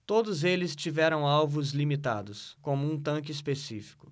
todos eles tiveram alvos limitados como um tanque específico